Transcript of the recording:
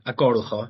agorwch o.